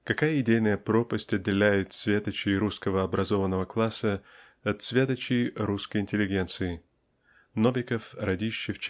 какая идейная пропасть отделяет светочей русского образованного класса от светочей русской интеллигенции. Новиков Радищев